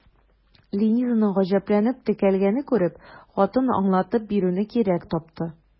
Ленизаның гаҗәпләнеп текәлгәнен күреп, хатын аңлатып бирүне кирәк тапты.